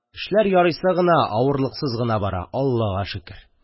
Эшләр ярыйсы гына, авырлыксыз гына бара, Аллага шөкер.